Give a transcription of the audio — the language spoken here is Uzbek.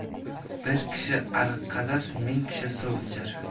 bir kishi ariq qazar ming kishi suv ichar